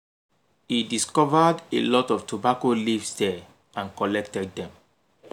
He discovered a lot of tobacco leaves there and collected them.